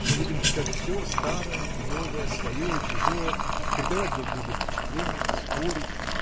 Мы будем читать всё, старое и новое, свое и чужое, — передавать друг другу впечатления, спорить.